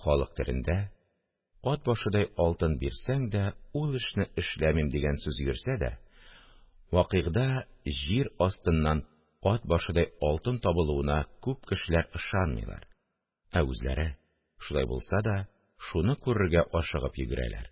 Халык телендә «Ат башыдай алтын бирсәң дә, ул эшне эшләмим» дигән сүз йөрсә дә, вакыйгда җир астыннан «ат башыдай алтын» табылуына күп кешеләр ышанмыйлар, ә үзләре, шулай булса да, шуны күрергә ашыгып йөгерәләр